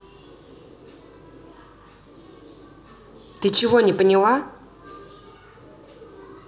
ты чего не поняла